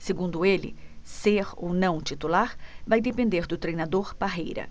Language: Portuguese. segundo ele ser ou não titular vai depender do treinador parreira